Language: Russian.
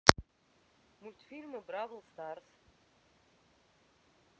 мультфильмы бравл старс